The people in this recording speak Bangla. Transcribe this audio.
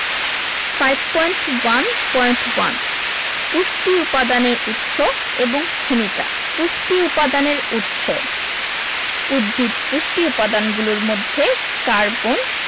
5.1.1 পুষ্টি উপাদানের উৎস এবং ভূমিকা পুষ্টি উপাদানের উৎস উদ্ভিদ পুষ্টি উপাদানগুলোর মধ্যে কার্বন